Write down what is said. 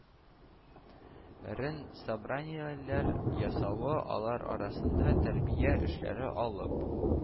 Рен собраниеләр ясавы, алар арасында тәрбия эшләре алып